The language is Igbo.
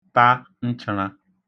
ta nchara